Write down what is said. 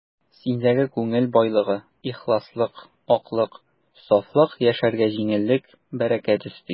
Синдәге күңел байлыгы, ихласлык, аклык, сафлык яшәргә җиңеллек, бәрәкәт өсти.